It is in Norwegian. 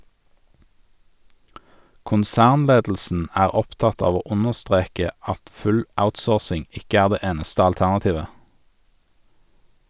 Konsernledelsen er opptatt av å understreke at full outsourcing ikke er det eneste alternativet.